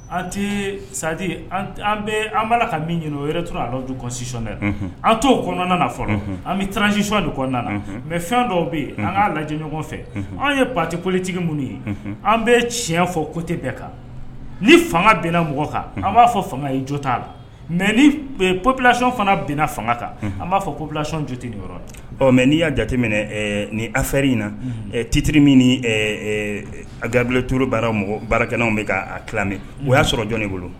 An tɛ sati bɛ an b'a la ka min ɲini o yɛrɛ tora ali josiɔn dɛ an t o kɔnɔna fɔlɔ an bɛ transisiɔn de kɔnɔna na mɛ fɛn dɔw bɛ yen an'a lajɛɲɔgɔn fɛ an ye pate politigi minnu ye an bɛ tiɲɛ fɔ kote bɛɛ kan ni fanga bna mɔgɔ kan an b'a fɔ fanga ye jo t'a la mɛ ni playɔn fana bna fanga kan an b'a fɔ kolasi joteyɔrɔ mɛ n'i y'a jateminɛ ni a fɛri in na titiriri min ni gbulɛturu baara mɔgɔ baarakɛlaww bɛ ka tila o y'a sɔrɔ jɔn bolo